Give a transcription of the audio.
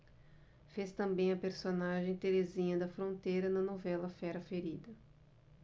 fez também a personagem terezinha da fronteira na novela fera ferida